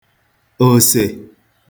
òsè